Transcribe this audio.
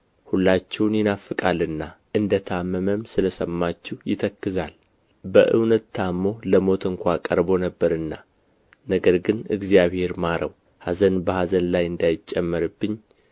ሁላችሁን ይናፍቃልና እንደ ታመመም ስለ ሰማችሁ ይተክዛል በእውነት ታሞ ለሞት እንኳ ቀርቦ ነበርና ነገር ግን እግዚአብሔር ማረው ኀዘን በኀዘን ላይ እንዳይጨመርብኝ